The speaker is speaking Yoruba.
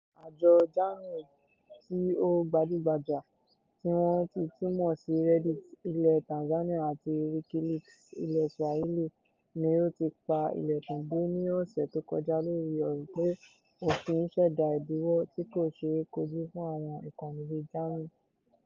Àjọ Jamii tí ó gbajúgbajà - tí wọ́n ti túmọ̀ sí Reddit ilẹ̀ Tanzania àti Wikileaks ilẹ̀ Swahili-ni ó ti pa ìlẹ̀kùn dé ní ọ̀sẹ̀ tó kọjá lórí ọ̀rọ̀ pé òfin ṣẹ̀dá ìdíwọ́ tí kò ṣeé kojú fún àwọn ìkànnì bíi Jamii.